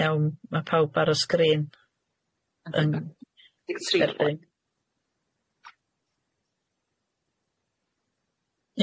Iawn ma' pawb ar y sgrin yn erbyn. Iawn.